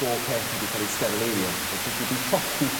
bob peth wedi ca'l ei sterileiddio felly dwi 'di tollti